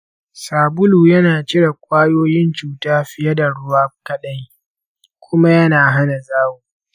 sabulu yana cire ƙwayoyin cuta fiye da ruwa kaɗai, kuma yana hana zawo.